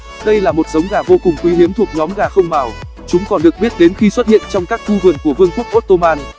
đây là một giống gà vô cùng quý hiếm thuộc nhóm gà không mào chúng còn được biết đến khi xuất hiện trong các khu vườn của vương quốc ottoman